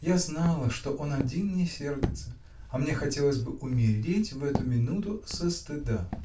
я знала, что он один не сердится, а мне хотелось бы умереть в эту минуту со стыда.